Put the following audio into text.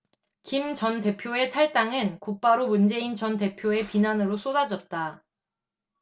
김 전 대표의 탈당은 곧바로 문재인 전 대표의 비난으로 쏟아졌다